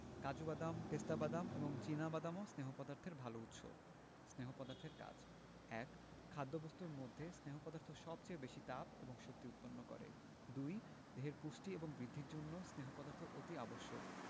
কাজু বাদাম পেস্তা বাদাম এবং চিনা বাদামও স্নেহ পদার্থের ভালো উৎস স্নেহ পদার্থের কাজ ১. খাদ্যবস্তুর মধ্যে স্নেহ পদার্থ সবচেয়ে বেশী তাপ এবং শক্তি উৎপন্ন করে ২. দেহের পুষ্টি এবং বৃদ্ধির জন্য স্নেহ পদার্থ অতি আবশ্যক